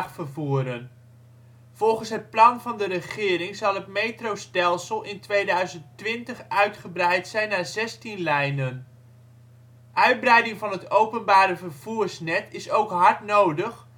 vervoeren. Volgens het plan van de regering zal het metro stelsel in 2020 uitgebreid zijn naar 16 lijnen. Uitbreiding van het openbare vervoersnet is ook hard nodig